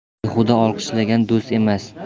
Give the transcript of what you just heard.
behuda olqishlagan do'st emas